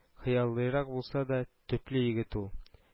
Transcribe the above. Хыялыйрак булса да, төпле егет ул